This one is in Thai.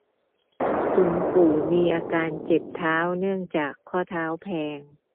คุณปู่มีอาการเจ็บเท้าเนื่องจากข้อเท้าแพลง